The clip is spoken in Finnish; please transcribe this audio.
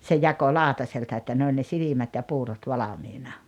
se jakoi lautaselta että ne oli ne silmät ja puurot valmiina